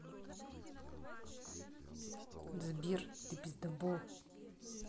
сбер ты пиздабол